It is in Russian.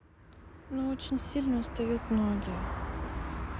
но очень сильно устают ноги